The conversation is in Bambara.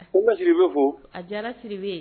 Ko n bɛ Sidibe fo. A diyara Sidibe ye.